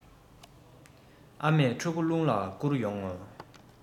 ཨ མས ཕྲུ གུ རླུང ལ བསྐུར ཡོང ངོ